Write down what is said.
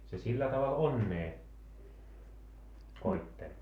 se sillä tavalla onnea koetteli